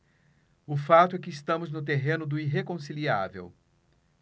o fato é que estamos no terreno do irreconciliável